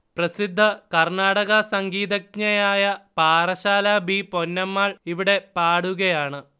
പ്രസിദ്ധ കർണാടക സംഗീതജ്ഞയായ പാറശ്ശാല ബി പൊന്നമ്മാൾ ഇവിടെ പാടുകയാണ്